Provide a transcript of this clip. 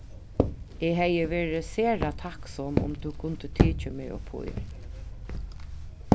eg hevði verið sera takksom um tú kundi tikið meg uppí